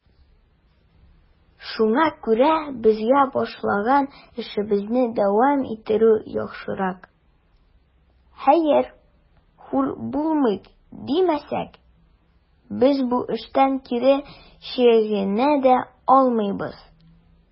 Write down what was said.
Шуңа күрә безгә башлаган эшебезне дәвам иттерү яхшырак; хәер, хур булыйк димәсәк, без бу эштән кире чигенә дә алмыйбыз.